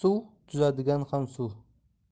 suv tuzadigan ham suv